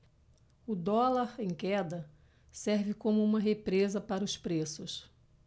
o dólar em queda serve como uma represa para os preços